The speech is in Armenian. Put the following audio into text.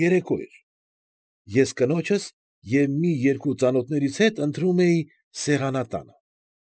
Երեկո էր. ես կնոջս և մի երկու ծանոթներիս հետ ընթրում էի սեղանատանը։